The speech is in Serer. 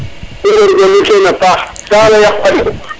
i ngorngoru tena paax